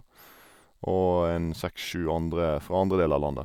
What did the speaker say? Og en seks sju andre fra andre deler av landet.